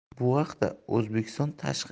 bu haqda o'zbekiston tashqi